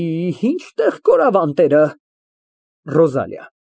Փարիզից է բերել տված, արժե իննսուն ռուբլի։ ՌՈԶԱԼԻԱ ֊